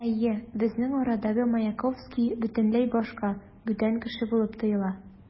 Әйе, безнең арадагы Маяковский бөтенләй башка, бүтән кеше булып тоела.